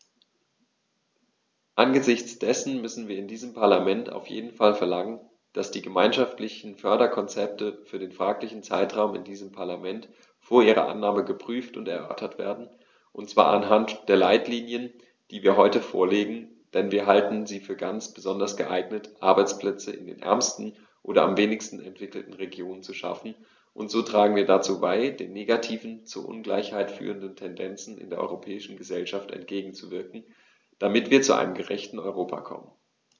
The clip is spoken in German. Angesichts dessen müssen wir in diesem Parlament auf jeden Fall verlangen, dass die gemeinschaftlichen Förderkonzepte für den fraglichen Zeitraum in diesem Parlament vor ihrer Annahme geprüft und erörtert werden, und zwar anhand der Leitlinien, die wir heute vorlegen, denn wir halten sie für ganz besonders geeignet, Arbeitsplätze in den ärmsten oder am wenigsten entwickelten Regionen zu schaffen, und so tragen wir dazu bei, den negativen, zur Ungleichheit führenden Tendenzen in der europäischen Gesellschaft entgegenzuwirken, damit wir zu einem gerechteren Europa kommen.